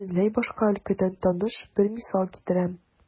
Бөтенләй башка өлкәдән таныш бер мисал китерәм.